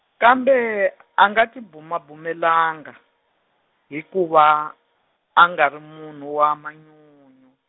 kambe, a nga tibumabumelanga, hikuva, a nga ri munhu wa manyunyu.